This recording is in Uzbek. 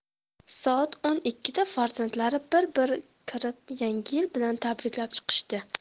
soat o'n ikkida farzandlari bir bir kirib yangi yil bilan tabriklab chiqishdi